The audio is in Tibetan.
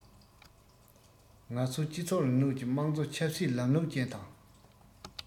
ང ཚོས སྤྱི ཚོགས རིང ལུགས ཀྱི དམངས གཙོ ཆབ སྲིད ལམ ལུགས ཅན དང